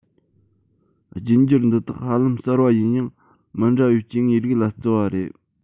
རྒྱུད འགྱུར འདི དག ཧ ལམ གསར པ ཡིན ཡང མི འདྲ བའི སྐྱེ དངོས རིགས ལ བརྩི བ རེད